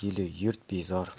el u yurt bezor